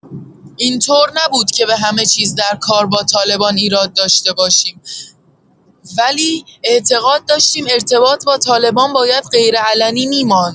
این‌طور نبود که به همه چیز در کار با طالبان ایراد داشته باشیم، ولی اعتقاد داشتیم ارتباط با طالبان باید غیرعلنی می‌ماند.